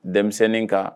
Denmisɛnnin kan